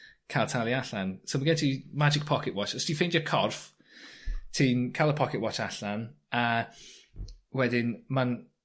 ca'l talu allan. So ma' gen ti magic pocket watch os ti'n ffeindio corff ti'n ca'l y pocket watch allan a wedyn ma'n